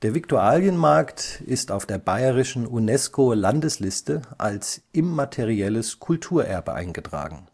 Viktualienmarkt ist auf der bayerischen UNESCO-Landesliste als immaterielles Kulturerbe eingetragen